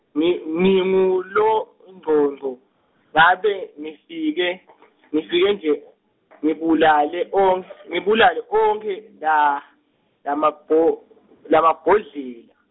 ngi nginguLogcogco, ngabe, ngifike , ngifike nje, ngibulale o , ngibulale onkhe la, lamabho- lamabhodlela.